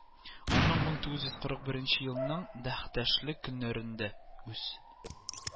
Аның мең тугыз йөз кырык беренче елның дәһшәтле көннәрендә, үз